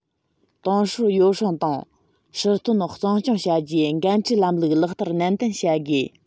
ཏང སྲོལ ཡོ བསྲང དང སྲིད དོན གཙང སྐྱོང བྱ རྒྱུའི འགན འཁྲིའི ལམ ལུགས ལག བསྟར ནན ཏན བྱ དགོས